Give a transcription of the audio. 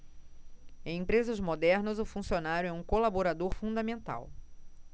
em empresas modernas o funcionário é um colaborador fundamental